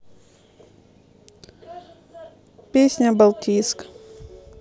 песня балтийск